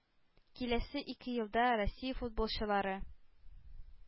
Киләсе ике елда Россия футболчылары